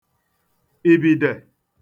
ìbìdè